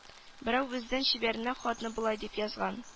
Берәү бездән чибәренә хатны болай дип язган